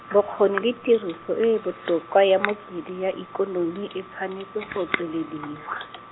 bokgoni le tiriso e e botoka ya metswedi ya ikonomi e tshwanetse go tswelediwa.